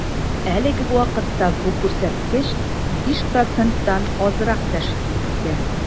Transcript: Әлеге вакытта бу күрсәткеч 5 проценттан азрак тәшкил итә.